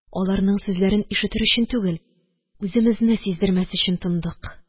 Аларның сүзләрен ишетер өчен түгел, үземезне сиздермәс өчен тындык.